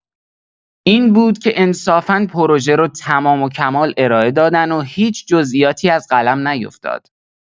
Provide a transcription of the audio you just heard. این بود که انصافا پروژه رو تمام و کمال ارائه دادن و هیچ جزئیاتی از قلم نیفتاد.